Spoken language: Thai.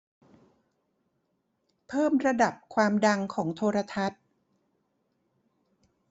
เพิ่มระดับความดังของโทรทัศน์